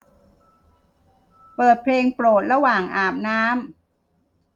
เปิดเพลงโปรดระหว่างอาบน้ำ